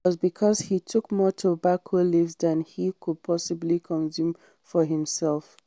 It was because he took more tobacco leaves than he could possibly consume for himself.